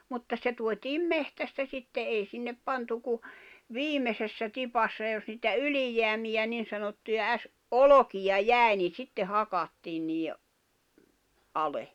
mutta se tuotiin metsästä sitten ei sinne pantu kuin viimeisessä tipassa jos niitä ylijäämiä niin sanottuja - olkia jäi niin sitten hakattiin niiden alle